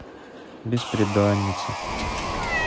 бесприданица